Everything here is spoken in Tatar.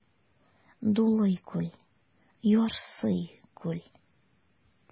Дулый күл, ярсый күл.